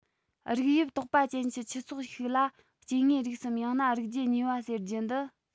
རིགས དབྱིབས དོགས པ ཅན གྱི ཁྱུ ཚོགས ཤིག ལ སྐྱེ དངོས རིགས སམ ཡང ན རིགས རྒྱུད གཉིས པ ཟེར རྒྱུ འདི